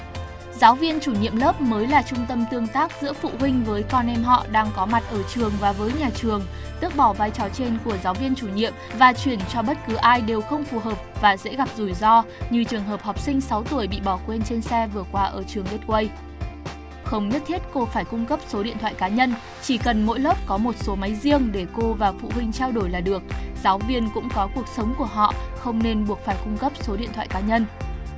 giáo viên chủ nhiệm lớp mới là trung tâm tương tác giữa phụ huynh với con em họ đang có mặt ở trường và với nhà trường tước bỏ vai trò trên của giáo viên chủ nhiệm và chuyển cho bất cứ ai đều không phù hợp và dễ gặp rủi ro như trường hợp học sinh sáu tuổi bị bỏ quên trên xe vừa qua ở trường gateway không nhất thiết cứ phải cung cấp số điện thoại cá nhân chỉ cần mỗi lớp có một số máy riêng để cô và phụ huynh trao đổi là được giáo viên cũng có cuộc sống của họ không nên buộc phải cung cấp số điện thoại cá nhân